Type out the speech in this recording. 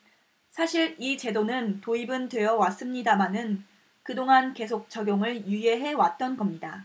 사실 이 제도는 도입은 되어 왔습니다마는 그동안 계속 적용을 유예해 왔던 겁니다